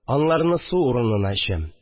Анларны су урынына эчәм